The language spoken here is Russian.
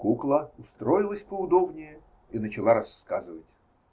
Кукла устроилась поудобнее и начала рассказывать.